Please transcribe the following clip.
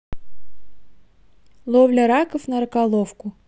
ловля раков на раколовку